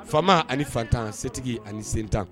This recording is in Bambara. Faamama ani fatan setigi ani sen tan